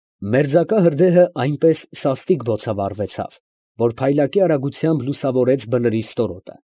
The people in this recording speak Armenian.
Մերձակա հրդեհը այնպես սաստիկ բոցավառվեցավ, որ փայլակի արագությամբ լուսավորեց բլրի ստորոտը։